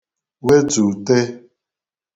wetute